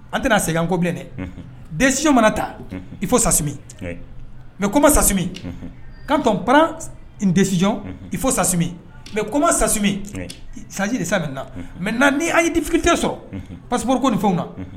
An tɛna segin anko bilen dɛ dɛsɛsidi mana ta i fo sas mɛ kɔma sasmi ka pan dɛsɛsij i fo sas mɛ kɔma sas saji de sa min na mɛ na ni a ye difete sɔrɔ pa ko ni fɛnw na